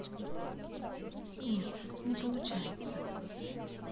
нет не получается